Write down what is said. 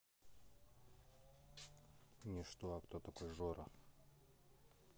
ничто а кто кто такой жора